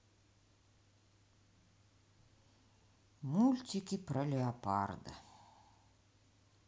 мультик про леопольда